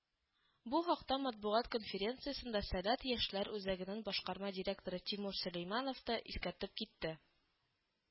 Бу хакта матбугат конференциясендә “Сәләт” яшьләр үзәгенең башкарма директоры Тимур Сөләйманов та искәртеп китте